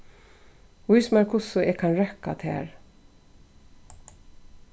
vís mær hvussu eg kann røkka tær